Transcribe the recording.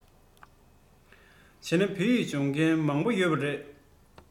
བྱས ན བོད ཡིག སྦྱོང མཁན མང པོ ཡོད པ རེད